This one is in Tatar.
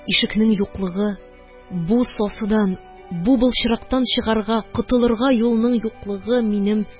Ишекнең юклыгы, бу сасыдан, бу былчырактан чыгарга, котылырга юлның юклыгы минем